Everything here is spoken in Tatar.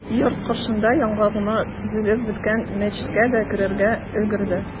Йорт каршында яңа гына төзелеп беткән мәчеткә дә керергә өлгерде.